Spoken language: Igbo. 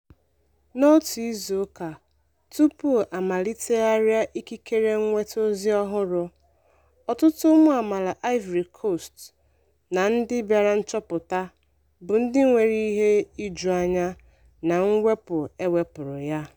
N'otu izu ụka tupu a malitegharịa ikikere nweta ozi ọhụrụ, ọtụtụ ụmụ amala Ivory Coast na ndị bịara nchọpụta bụ ndị nwere ihe iju anya na mwepu ewepuru ya.